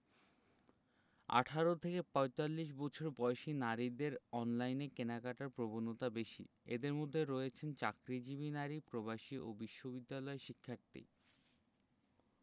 ১৮ থেকে ৪৫ বছর বয়সী নারীদের অনলাইনে কেনাকাটার প্রবণতা বেশি এঁদের মধ্যে রয়েছেন চাকরিজীবী নারী প্রবাসী ও বিশ্ববিদ্যালয় শিক্ষার্থী